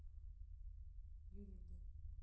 юрьев день